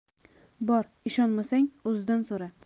bor ishonmasang o'zidan so'ra